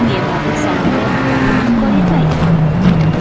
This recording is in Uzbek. me'morlik san'ati buni inkor etmaydi